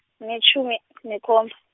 nginetjhumi , nekhomba.